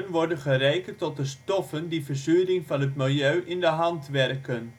worden gerekend tot de stoffen die verzuring van het milieu in de hand werken